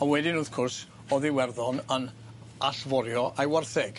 A wedyn wrth cwrs o'dd Iwerddon yn allforio ei wartheg.